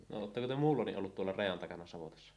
no oletteko te muulloinkin ollut tuolla rajan takana savotassa